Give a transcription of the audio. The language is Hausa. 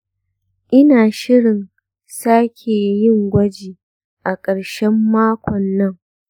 ina shirin sake yin gwaji a ƙarshen makon nan.